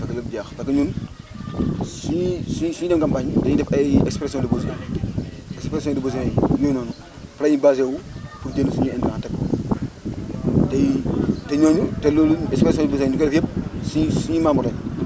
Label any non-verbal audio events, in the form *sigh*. waaw fekk lépp jeex parce que ñun *noise* su ñuy su su ñuy dem campagne dañuy def ay expressions de besoin *noise* expressions de besoin yooyu noonu fa la ñuy basé wu pour jënd suñuy intrant teg *noise* tey te ñooñu te loolu exepression de besoin ñu koy def yëpp suñuy suñu memebres lañ